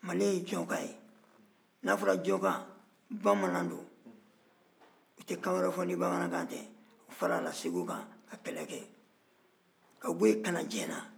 male ye jɔnka ye n'a fɔra jɔnka bamanan don u tɛ kan wɛrɛ fɔ ni bamanankan tɛ u farala segu kan ka kɛlɛ kɛ ka bɔ yen ka na jɛna